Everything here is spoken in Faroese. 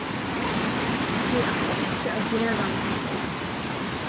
tey ætla ikki at gera hatta sjálv